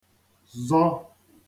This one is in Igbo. zọ